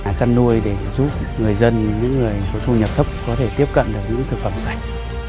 à chăn nuôi để giúp người dân những người có thu nhập thấp có thể tiếp cận được những thực phẩm sạch